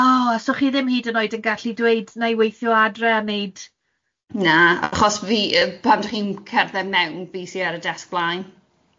O, so chi ddim hyd yn oed yn gallu dweud wna i weithio adre a wneud... Na, achos fi yy pan 'dach chi'n cerdded mewn, fi sy' ar y desg blaen.